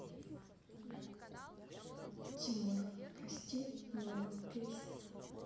тимур прости мама песня